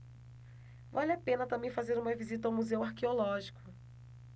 vale a pena também fazer uma visita ao museu arqueológico